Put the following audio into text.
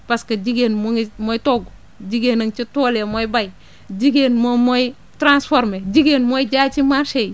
parce que jigéen mu ngi mooy togg jigéen a nga ca tool ya mooy bay jigéen moom mooy transformer jigéen mooy jaay si marché yi